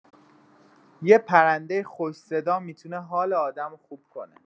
یه پرنده خوش‌صدا می‌تونه حال آدمو خوب کنه.